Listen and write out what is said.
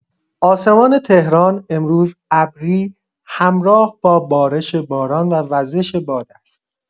آسمان تهران امروز ابری همراه با بارش باران و وزش باد است.